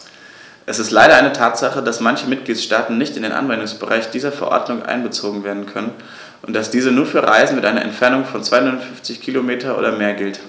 Es ist leider eine Tatsache, dass manche Mitgliedstaaten nicht in den Anwendungsbereich dieser Verordnung einbezogen werden können und dass diese nur für Reisen mit einer Entfernung von 250 km oder mehr gilt.